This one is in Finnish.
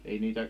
ei niitä